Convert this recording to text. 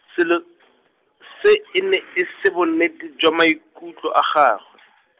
selo , se e ne e se bonnete jwa maikutlo a gagwe.